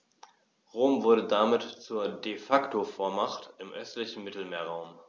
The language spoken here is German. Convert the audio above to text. Rom wurde damit zur ‚De-Facto-Vormacht‘ im östlichen Mittelmeerraum.